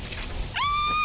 á